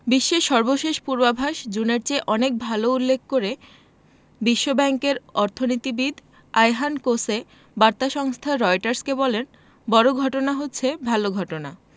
বিশ্বের সর্বশেষ পূর্বাভাস জুনের চেয়ে অনেক ভালো উল্লেখ করে বিশ্বব্যাংকের অর্থনীতিবিদ আয়হান কোসে বার্তা সংস্থা রয়টার্সকে বলেন বড় ঘটনা হচ্ছে ভালো ঘটনা